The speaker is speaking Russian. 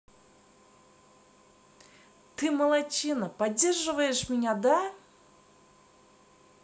ты молодчина поддерживаешь меня да